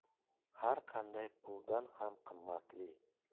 har qancha puldan ham qimmatli